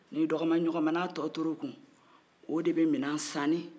i dɔgɔmaɲɔgɔ ma n'a tɔ tora o kun o de bɛ mina saani